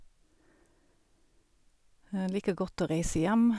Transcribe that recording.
Liker godt å reise hjem.